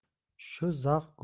shu zavq go'yo